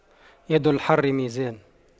يد الحر ميزان